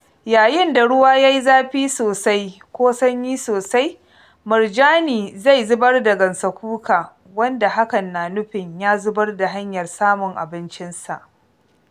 Yayin da ruwa ya yi zafi sosai (ko sanyi sosai), murjani zai zubar da gansakuka - wanda hakan na nufin ya zubar da hanyar samun abincinsa.